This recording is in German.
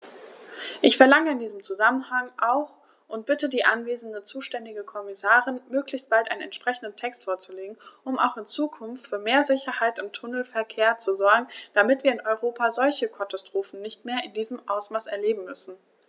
Ich verlange in diesem Zusammenhang auch und bitte die anwesende zuständige Kommissarin, möglichst bald einen entsprechenden Text vorzulegen, um auch in Zukunft für mehr Sicherheit im Tunnelverkehr zu sorgen, damit wir in Europa solche Katastrophen nicht mehr in diesem Ausmaß erleben müssen!